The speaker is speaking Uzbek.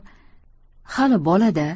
hali bola da